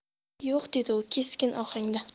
yo'q dedi u keskin ohangda